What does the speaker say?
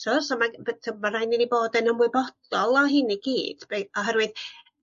T'wo' so ma' by- t'wod ma' rhai' ni ni bod yn ymwybodol o hyn i gyd oherwydd